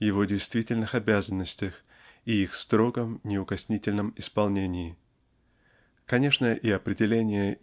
его действительных обязанностях и их строгом неукоснительном исполнении. Конечно и определение